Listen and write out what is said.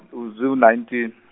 u- ziwu nineteen.